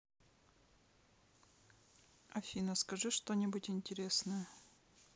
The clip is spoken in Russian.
афина скажи что нибудь интересное